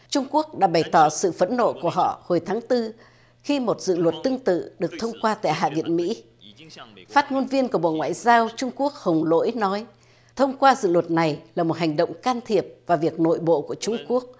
trung quốc đã bày tỏ sự phẫn nộ của họ hồi tháng tư khi một dự luật tương tự được thông qua tại hạ viện mỹ phát ngôn viên của bộ ngoại giao trung quốc hồng lỗi nói thông qua dự luật này là một hành động can thiệp vào việc nội bộ của trung quốc